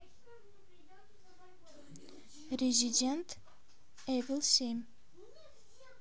резидент эвил семь